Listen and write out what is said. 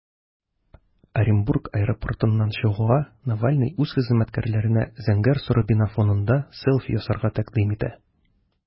Оренбург аэропортыннан чыгуга, Навальный үз хезмәткәрләренә зәңгәр-соры бина фонында селфи ясарга тәкъдим итә.